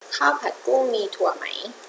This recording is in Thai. ข้าวผัดกุ้งมีถั่วไหม